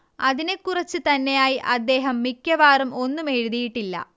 അതിനെക്കുറിച്ച് തന്നെയായി അദ്ദേഹം മിക്കവാറും ഒന്നും എഴുതിയിട്ടില്ല